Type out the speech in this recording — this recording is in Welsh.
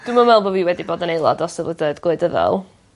Dwi'm yn meddwl bo' fi wedi bod yn aelod o sefydliad gwleidyddol.